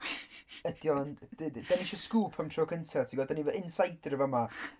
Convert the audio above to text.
Ydi o'n... D- d- 'da ni eisio sgŵp am y tro cyntaf ti'n gwybod? Dan ni efo insider yn fama.